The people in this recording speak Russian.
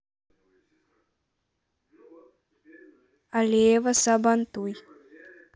алеево сабантуй